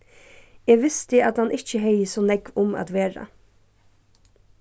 eg visti at hann ikki hevði so nógv um at vera